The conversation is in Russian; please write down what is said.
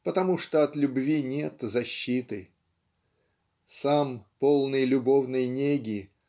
потому что от любви нет защиты. Сам полный любовной неги